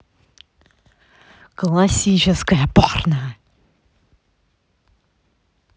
классическое порно